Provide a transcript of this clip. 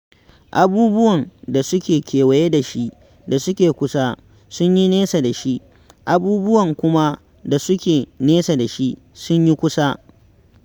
Abubuwan da suke kewaye da shi da suke kusa, sun yi nesa da shi, abubuwan kuma da suke nesa da shi, sun yi kusa.